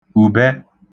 ùbẹ